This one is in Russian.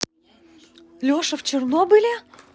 леша в чернобыле